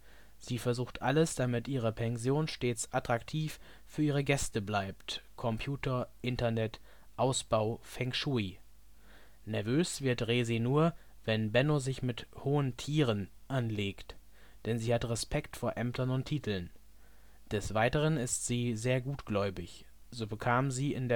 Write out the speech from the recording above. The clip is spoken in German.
sie versucht alles, damit ihre Pension stets attraktiv für ihre Gäste bleibt (Computer, Internet, Ausbau, Feng Shui). Nervös wird Resi nur, wenn Benno sich mit „ hohen Tieren “anlegt, denn sie hat Respekt vor Ämtern und Titeln. Des Weiteren ist sie sehr gutgläubig; so bekam sie in